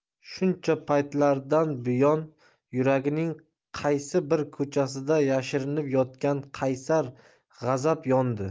shuncha paytlardan buyon yuragining qaysi bir ko'chasida yashirinib yotgan qaysar g'azab yondi